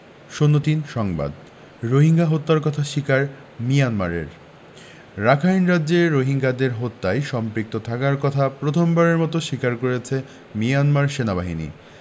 ০৩ সংবাদ রোহিঙ্গা হত্যার কথা স্বীকার মিয়ানমারের রাখাইন রাজ্যে রোহিঙ্গাদের হত্যায় সম্পৃক্ত থাকার কথা প্রথমবারের মতো স্বীকার করেছে মিয়ানমার সেনাবাহিনী